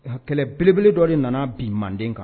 Kɛlɛ belebele dɔ de nana bi manden kan